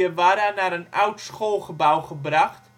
Guevara naar een oud schoolgebouw gebracht